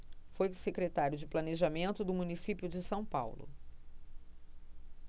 foi secretário de planejamento do município de são paulo